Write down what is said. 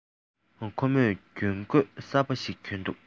ཁོ མོས གྱོན གོས གསར པ ཞིག གྱོན འདུག